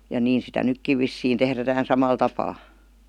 ja niin sitä nytkin vissiin tehdään samalla tapaa